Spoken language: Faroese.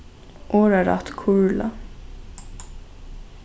orðarætt kurla